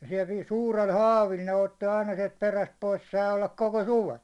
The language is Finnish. ja sieltä niin suurella haavilla ne otti aina sieltä perästä pois sai olla koko suven